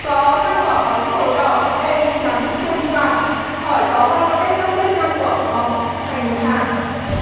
có năm quả bóng màu đỏ đen trắng xanh vàng hỏi có bao nhiêu cách sắp xếp năm quả bóng thành một hàng